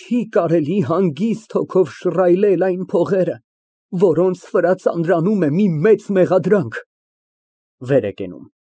Չի կարելի հանգիստ հոգով շռայլել այն փողերը, որոնց վրա ծանրանում է մի մեծ մեղադրանք։ (Վեր է կենում)։